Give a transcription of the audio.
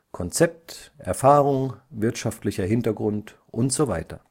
Konzept, Erfahrung, wirtschaftlicher Hintergrund, usw.